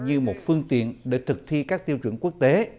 như một phương tiện để thực thi các tiêu chuẩn quốc tế